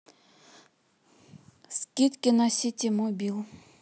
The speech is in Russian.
скидки на ситимобил